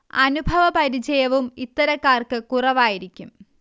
അനുഭവ പരിചയവും ഇത്തരക്കാർക്ക് കുറവായിരിക്കും